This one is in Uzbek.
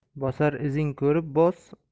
bosar izing ko'rib bos